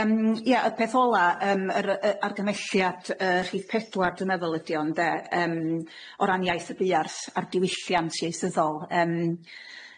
Yym ia y peth ola yym yr yy argymelliad yy rhif pedwar dwi'n meddwl ydi o ynde yym o ran iaith y buarth a'r diwylliant ieithyddol yym.